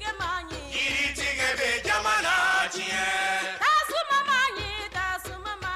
Tigabasonin jigi jama la diɲɛ kaba mag tɛ tasumaba